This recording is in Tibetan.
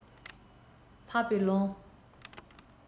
འཕགས པའི ལུང